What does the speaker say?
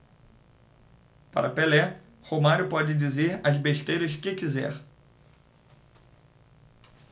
para pelé romário pode dizer as besteiras que quiser